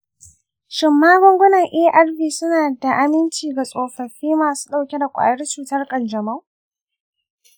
shin magungunan arv suna da aminci ga tsofaffi masu ɗauke da ƙwayar cutar kanjamau?